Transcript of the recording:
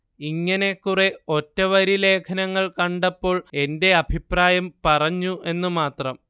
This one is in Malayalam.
ഇങ്ങനെ കുറെ ഒറ്റവരി ലേഖനങ്ങൾ കണ്ടപ്പോൾ എന്റെ അഭിപ്രായം പറഞ്ഞു എന്നു മാത്രം